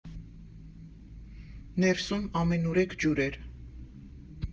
Ներսում ամենուրեք ջուր էր։